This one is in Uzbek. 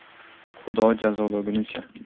xudo jazolagunicha